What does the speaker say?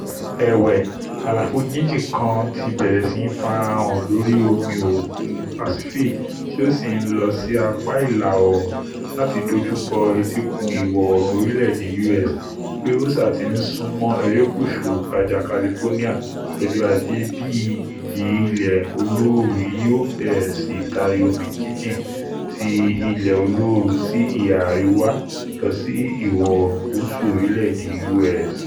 Ẹ̀wẹ̀, àlàfo jìnjìn kan ti bẹ̀rẹ̀ sí farahàn lórí omi Òkun Pacific tí ó sì ńlọ sí apá ìlà-oòrùn láti dójúkọ Etíkun Ìwọ̀-oòrùn orílẹ̀-èdè U.S. Bí Rosa ti ńsúnmọ́ erékùsù Baja Carlifonia lọ́jọ́ ajé bíi ìjì ilẹ̀ olóoru yóò bẹ̀rẹ̀ sí taari omi jínjìn ti ilẹ̀ olóoru sí ìhà àríwá lọsí ìwọ̀-oòrùn gúúsù orilẹ̀-ede U.S.